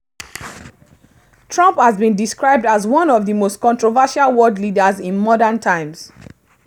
Trump has been described as “one of the most controversial world leaders in modern times."